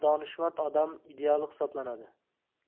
donishmand odam ideali hisoblanadi